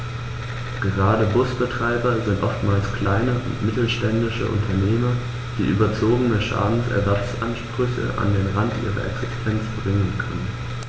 Gerade Busbetreiber sind oftmals kleine und mittelständische Unternehmer, die überzogene Schadensersatzansprüche an den Rand ihrer Existenz bringen können.